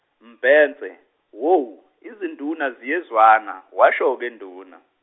Mbhense hho izinduna ziyezwana washo ke nduna.